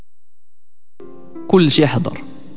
كل شيء حظر